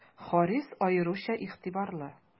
Харис аеруча игътибарлы.